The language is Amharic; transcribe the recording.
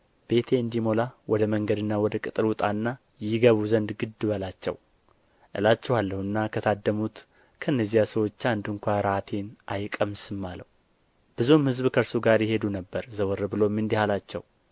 ቤቴ እንዲሞላ ወደ መንገድና ወደ ቅጥር ውጣና ይገቡ ዘንድ ግድ በላቸው እላችኋለሁና ከታደሙት ከእነዚያ ሰዎች አንድ ስንኳ እራቴን አይቀምስም አለው ብዙም ሕዝብ ከእርሱ ጋር ይሄዱ ነበር ዘወር ብሎም እንዲህ አላቸው